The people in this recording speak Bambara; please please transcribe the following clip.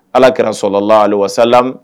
Ala kɛra sɔrɔla la ali walasasa